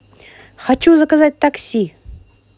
хочу заказать такси